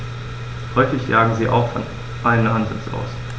Häufig jagen sie auch von einem Ansitz aus.